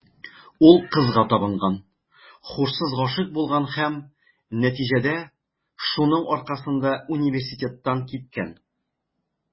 Ул кызга табынган, һушсыз гашыйк булган һәм, нәтиҗәдә, шуның аркасында университеттан киткән.